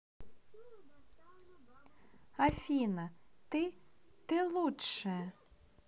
афина ты ты лучшая